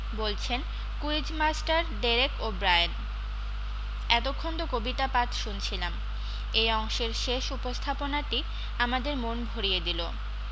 বলছেন quiz master Derek O'Brien এতক্ষণ তো কবিতা পাঠ শুনছিলাম এই অংশের শেষ উপস্থাপনাটি আমাদের মন ভরিয়ে দিল